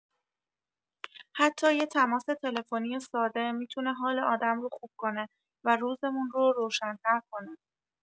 حتی یه تماس تلفنی ساده می‌تونه حال آدم رو خوب کنه و روزمون رو روشن‌تر کنه.